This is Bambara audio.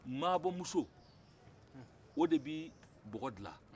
maabɔ muso o de bɛ bɔgɔ dilan